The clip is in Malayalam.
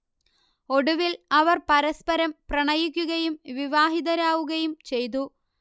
ഒടുവിൽ അവർ പരസ്പരം പ്രണയിക്കുകയും വിവാഹിതരാവുകയും ചെയ്തു